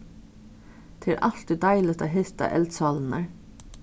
tað er altíð deiligt at hitta eldsálirnar